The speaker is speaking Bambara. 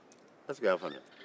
ɛseke i y'a faamuya